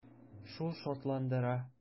Шул шатландыра.